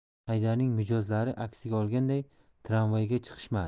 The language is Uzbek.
haydarning mijoz lari aksiga olganday tramvayga chiqishmadi